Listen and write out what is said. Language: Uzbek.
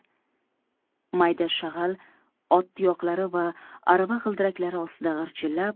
mayda shag'al ot tuyoqlari va arava g'iidiraklari ostida g'irchillab